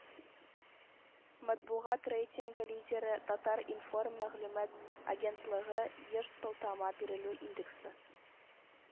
Матбугат рейтингы лидеры – “Татар-информ” мәгълүмат агентлыгы еш сылтама бирелү индексы